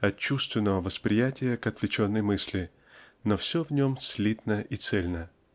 от чувственного восприятия к отвлеченной мысли но все в нем слитно и цельно.